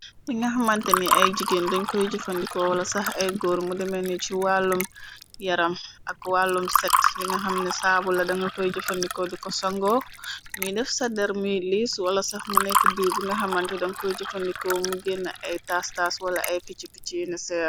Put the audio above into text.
Li nga xamante nii ay jigéen dañ koy jëfandikoo, wala sax ay góor mu deme ni si wàllum yaram ak wàllum set. Lii nga xam ne saabu la, danga koy jëfandikoo di ko sangoo mu def sa der muy liis, wala sax mu nekk diw bi nga xamante dañ koy jëfandikoo mu genne ay taas-taas, wala ay picci picci yu nëëk sa yaram.